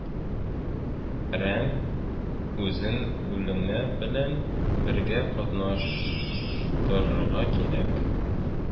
Рән, үзән үләне белән бергә катнаштырырга кирәк